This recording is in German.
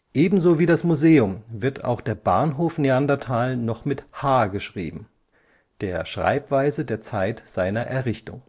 Ebenso wie das Museum wird auch der Bahnhof Neanderthal noch mit’ h’ geschrieben, der Schreibweise der Zeit seiner Errichtung